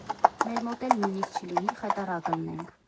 Մեր մոտ էլ նույնից չլինի, խայտառակ ըլնենք։